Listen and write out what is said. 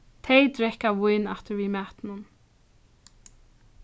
tey drekka vín afturvið matinum